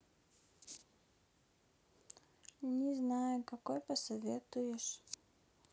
не знаю какой посоветуешь